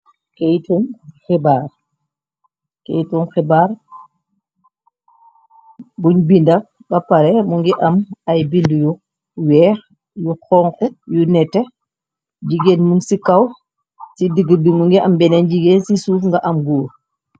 Keytum xibaar keytum xibaar buñ binda ba pare mongi am ay binda yu weex yu xonko yu nette jigéen mung ci kaw ci diggi bi mongi am benen jigéen ci suuf nga am góor.